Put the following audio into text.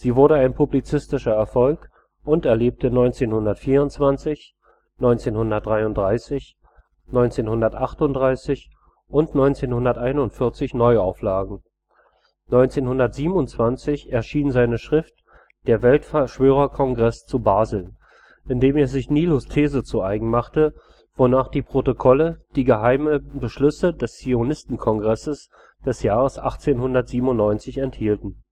wurde ein publizistischer Erfolg und erlebte 1924, 1933, 1938 und 1941 Neuauflagen. 1927 erschien seine Schrift „ Der Weltverschwörerkongreß zu Basel “, in dem er sich Nilus ‘These zu eigen machte, wonach die Protokolle die geheimen Beschlüsse des Zionistenkongresses des Jahres 1897 enthielten